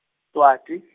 Swati.